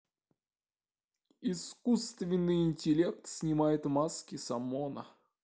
искусственный интеллект снимает маски с омона